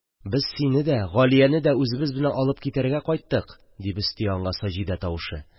– без сине дә, галияне дә үзебез белән алып китәргә кайттык! – дип өсти аңа саҗидә тавышы.